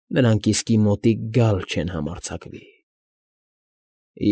Նրանք իսկի մոտիկ գալ չեն համարձակվի։